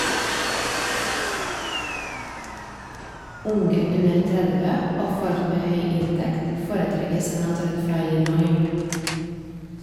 Unge under 30 og folk med høy inntekt foretrekker senatoren fra Illinois.